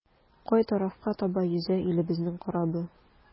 Кай тарафка таба йөзә илебезнең корабы?